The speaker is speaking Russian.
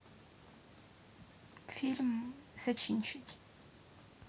фильм зачинщики